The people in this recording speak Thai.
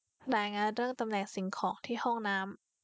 รายงานเรื่องตำแหน่งสิ่งของที่ห้องน้ำ